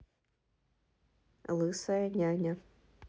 лысая няня